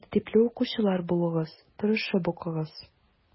Тәртипле укучылар булыгыз, тырышып укыгыз.